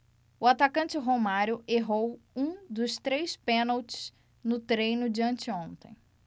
o atacante romário errou um dos três pênaltis no treino de anteontem